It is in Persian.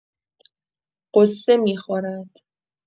غصه می‌خورد.